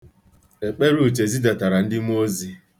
Ekpere Uche zidatara ndị mmụọ ozi.